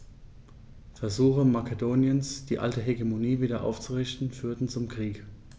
Versuche Makedoniens, die alte Hegemonie wieder aufzurichten, führten zum Krieg.